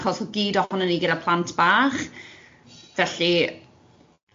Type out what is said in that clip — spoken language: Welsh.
achos oedd gyd ohonan ni gyda plant bach, felly.